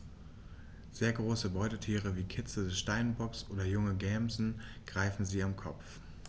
Sehr große Beutetiere wie Kitze des Steinbocks oder junge Gämsen greifen sie am Kopf.